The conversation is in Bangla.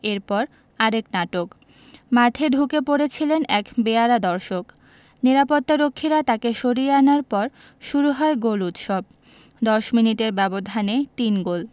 এরপর আরেক নাটক মাঠে ঢুকে পড়েছিলেন এক বেয়াড়া দর্শক নিরাপত্তারক্ষীরা তাকে সরিয়ে আনার পর শুরু হয় গোল উৎসব ১০ মিনিটের ব্যবধানে তিন গোল